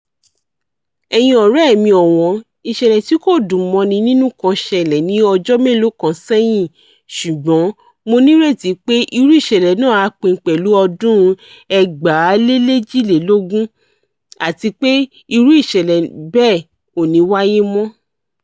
Ẹ̀yin ọ̀rẹ́ẹ̀ mi ọ̀wọ́n, ìṣẹ̀lẹ̀ tí kò dùn mọ́ni nínú kan ṣẹlẹ̀ ní ọjọ́ mélòó kan sẹ́yìn, ṣùgbọ́n mo nírètí pé irú ìṣẹ̀lẹ̀ náà á pín pẹ̀lú ọdun 2018 àti pé irú ìṣẹ̀lẹ̀ bẹ́ẹ̀ ò ní wáyé mọ́.